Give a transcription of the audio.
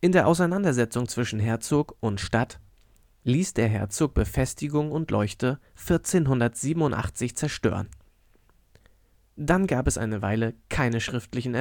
der Auseinandersetzung zwischen Herzog und Stadt ließ der Herzog Befestigung und Leuchte 1487 zerstören. Dann gab es eine Weile keine schriftlichen